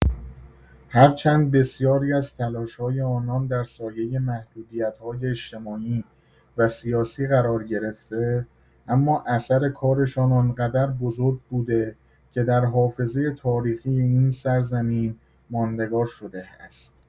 هرچند بسیاری از تلاش‌های آنان در سایه محدودیت‌های اجتماعی و سیاسی قرار گرفته، اما اثر کارشان آنقدر بزرگ بوده که در حافظه تاریخی این سرزمین ماندگار شده است.